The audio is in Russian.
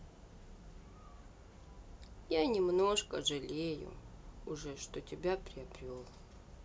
я немножко жалею уже что тебя приобрел